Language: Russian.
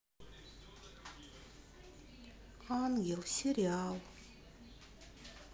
ангел сериал